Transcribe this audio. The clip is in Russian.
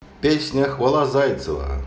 песня хвала зайцева